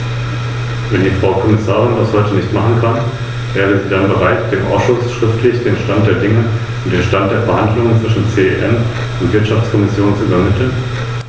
Frau Präsidentin, obwohl ich anerkenne, dass dieser Bericht viele positive Aspekte enthält - und ich befürworte den Anspruch der Menschen mit Behinderung auf Zugang zum Verkehr und zu Entschädigung nachdrücklich -, bin ich der Meinung, dass diese Programme von den nationalen Regierungen auf den Weg gebracht werden sollten.